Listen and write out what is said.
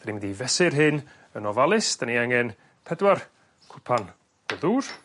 'Dan ni mynd i fesur hyn yn ofalus 'dan ni angen pedwar cwpan o ddŵr